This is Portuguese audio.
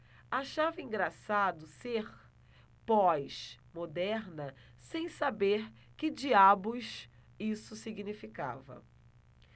achava engraçado ser pós-moderna sem saber que diabos isso significava